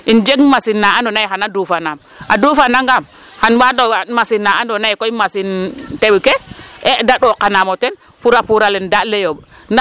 Um jeg machine na andoona yee xaya duufanaam ,a duufanangaam xan ɓaat o waaɗ machine na andoona yee koy machine tew ke e da ɗooqanaam o ten pour a puur ale daaƭ le yoɓ.